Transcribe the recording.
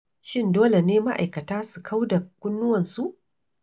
Shin dole ne ma'aikata su kauda kunnuwansu?